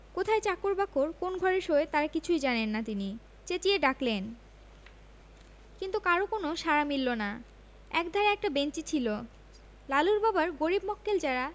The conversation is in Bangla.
কোথায় চাকর বাকর কোন্ ঘরে শোয় তারা কিছুই জানেন না তিনি চেঁচিয়ে ডাকলেন কিন্তু কারও সাড়া মিলল না একধারে একটা বেঞ্চি ছিল লালুর বাবার গরীব মক্কেল যারা